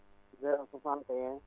061